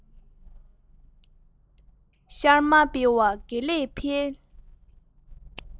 ཤར མར སྤེལ བ དགེ ལེགས འཕེལ